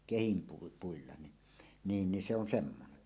- kehinpuilla niin niin niin se on semmoinen